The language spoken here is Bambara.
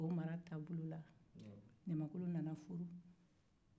ɲamankolon nana furu